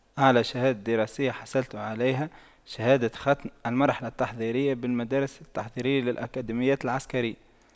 أعلى شهادة دراسية حصلت عليها شهادة ختم المرحلة التحضيرية بالمدارس التحضيرية للأكاديمية العسكرية